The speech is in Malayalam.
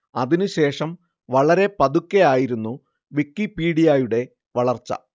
അതിനു ശേഷം വളരെ പതുക്കെ ആയിരുന്നു വിക്കിപീഡിയായുടെ വളർച്ച